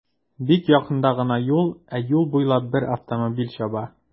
Бик якында гына юл, ә юл буйлап бер автомобиль чаба.